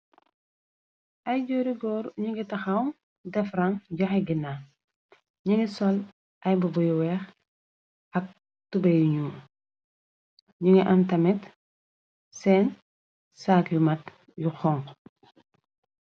Ay joorigoor nungi taxaw defran joxe gina, ñi ngi sol ay bu buy weex, ak tubé yuñu, ñi ngi am tamet seen saak yu mat, yu xong.